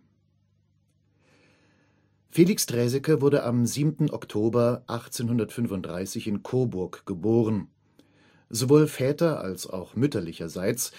Felix Draeseke wurde am 7. Oktober 1835 in Coburg geboren. Sowohl väter - als auch mütterlicherseits